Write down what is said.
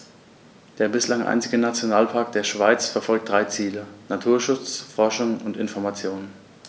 Der bislang einzige Nationalpark der Schweiz verfolgt drei Ziele: Naturschutz, Forschung und Information.